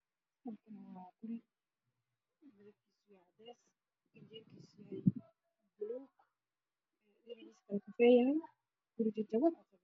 Waa guri duug ah midab kiisu waa cadaan waxaa horay ka muuqda albaab cagaar ah